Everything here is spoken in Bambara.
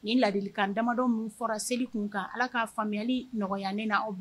Nin ladi kan damadɔ ninnu fɔra seli kun kan ala ka faamuyali nɔgɔyayanen na aw